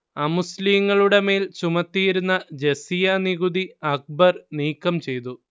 അമുസ്ലീങ്ങളുടെ മേൽ ചുമത്തിയിരുന്ന ജസിയ നികുതി അക്ബർ നീക്കംചെയ്തു